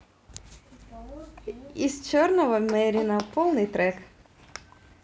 из черного мерина полный трек